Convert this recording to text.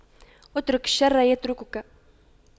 اترك الشر يتركك